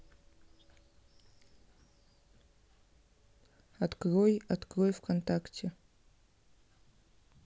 открой открой вконтакте